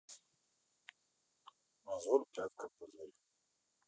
мозоль пятка пузырь